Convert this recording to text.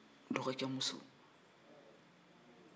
dɔgɔke muso